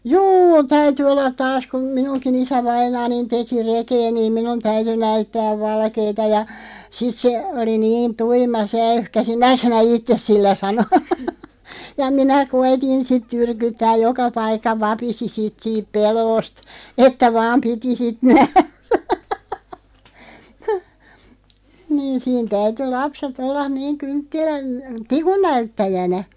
juu täytyi olla taas kun minunkin isävainaani teki rekeä niin minun täytyi näyttää valkeata ja sitten se oli niin tuima se äyhkäsi näetkö sinä itse sillä sanoi ja minä koetin sitten tyrkyttää joka paikka vapisi sitten siitä pelosta että vain piti sitten nähdä niin siinä täytyi lapset olla niin kynttilän tikun näyttäjänä